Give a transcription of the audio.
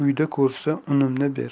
uyda ko'rsa unimni ber